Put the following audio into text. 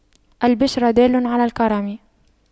الْبِشْرَ دال على الكرم